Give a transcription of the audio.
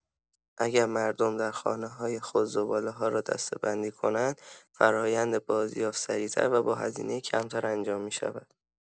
اگر مردم در خانه‌های خود زباله‌ها را دسته‌بندی کنند، فرآیند بازیافت سریع‌تر و با هزینه کمتر انجام می‌شود.